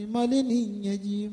Manden' ɲɛji ye